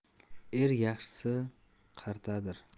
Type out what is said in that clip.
et yaxshisi qartadir